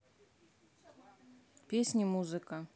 песни музыка